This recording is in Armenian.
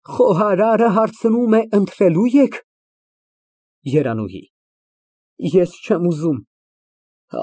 Խոհարարը հարցնում է ընթրելո՞ւ եք։ ԵՐԱՆՈՒՀԻ ֊ Ես չեմ ուզում։